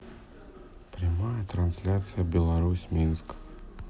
прямая трансляция беларусь минск